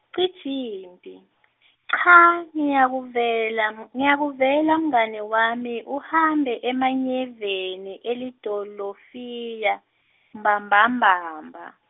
Cijimphi , cha, ngiyakuvela mng-, ngiyakuvela mngani wami, uhambe emanyeveni elidolofiya mbambamba mba.